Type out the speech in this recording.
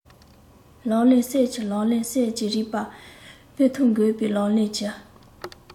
ལག ལེན གསེར གྱི ལག ལེན གསེར གྱི རིག པ དཔེ ཐོག འགོད པའི ལག ལེན གྱི